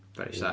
Very sad.